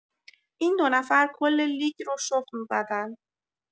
این دو نفر کل لیگ رو شخم زدن.